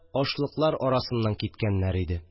Ашлыклар арасыннан киткәннәр иде